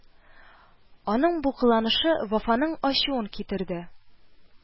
Аның бу кыланышы Вафаның ачуын китерде: